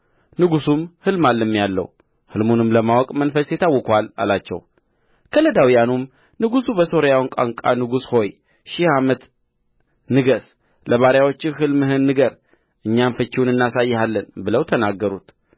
ንጉሡም ሕልም አልሜአለሁ ሕልሙንም ለማወቅ መንፈሴ ታውኮአል አላቸው ከለዳውያኑም ንጉሡን በሶርያ ቋንቋ ንጉሥ ሆይ ሺህ ዓመት ንገሥ ለባሪያዎችህ ሕልምህን ንገር እኛም ፍቺውን እናሳይሃለን ብለው ተናገሩት